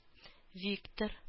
Виктор